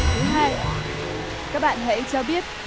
thứ hai các bạn hãy cho biết